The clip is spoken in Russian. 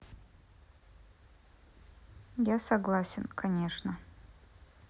я согласен конечно